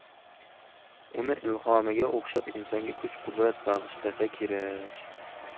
uni ilhomiga o'xshab insonga kuch qudrat bag'ishlasa kerak